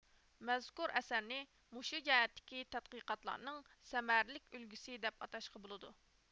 مەزكۇر ئەسەرنى مۇشۇ جەھەتتىكى تەتقىقاتلارنىڭ سەمەرىلىك ئۈلگىسى دەپ ئاتاشقا بولىدۇ